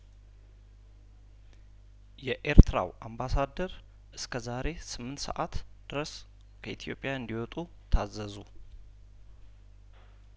የኤርትራው አምባሳደር እስከዛሬ ስምንት ሰአት ድረስ ከኢትዮጵያ እንዲወጡ ታዘዙ